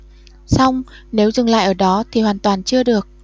song nếu dừng lại ở đó thì hoàn toàn chưa được